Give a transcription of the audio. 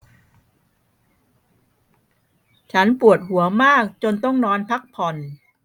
ฉันปวดหัวมากจนต้องนอนพักผ่อน